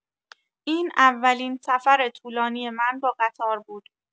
این اولین سفر طولانی من با قطار بود.